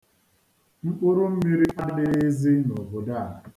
Mkpụrụmmiri adighizi n'obodo a.